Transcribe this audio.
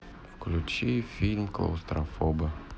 включи фильм клаустрофобы